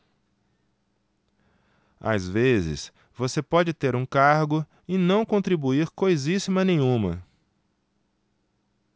às vezes você pode ter um cargo e não contribuir coisíssima nenhuma